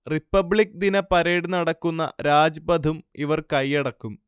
republic ദിന parade നടക്കുന്ന രാജ്പഥും ഇവർ കൈയടക്കും